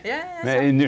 ja ja ja .